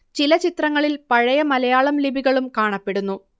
ചില ചിത്രങ്ങളിൽ പഴയ മലയാളം ലിപികളും കാണപ്പെടുന്നു